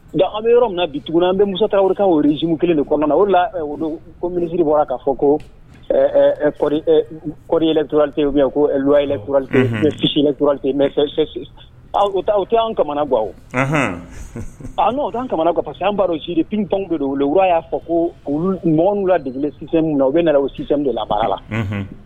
An bɛ yɔrɔ min bi tugunina an bɛ musota ka w zun kelen de kɔnɔna na olu ko minisiri bɔra k'a fɔ koɔriɔrilɛte ɛlɛsite to an kamana ga n'o kamana parce que an sirifinp de wula y'a fɔ ko mwuladesi na u bɛ na osi de labaga la